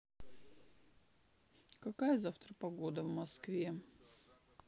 какая завтра погода в москве